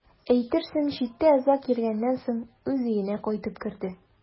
Әйтерсең, читтә озак йөргәннән соң үз өенә кайтып керде.